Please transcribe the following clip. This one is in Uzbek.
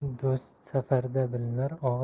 do'st safarda bilinar